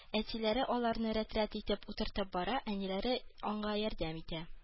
Әтиләре аларны рәт-рәт итеп утыртып бара, әниләре аңа ярдәм итә